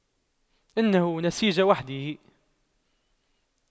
إنه نسيج وحده